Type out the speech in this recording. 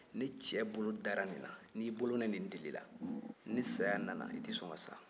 ni cɛ bolo dara nin na n'i bolo ni nin deli la ni saya nana i tɛ sɔn ka sa